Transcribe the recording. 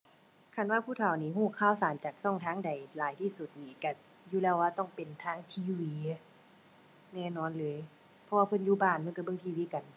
คันว่าผู้เฒ่านี่ รู้ข่าวสารจากช่องทางใดหลายที่สุดนี่ รู้อยู่แล้วว่าต้องเป็นทาง TV แน่นอนเลย เพราะว่าเพิ่นอยู่บ้านเพิ่นรู้เบิ่ง TV กัน